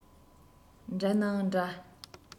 འགྲིག ནའང འདྲ